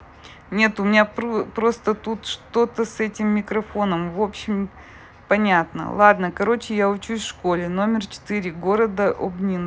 нет у меня просто тут что то с этим микрофоном вообщем понятно ладно короче я учусь в школе номер четыре города обнинска